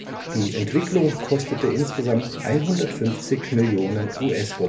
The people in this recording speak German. die Entwicklung kostete insgesamt 150 Millionen USD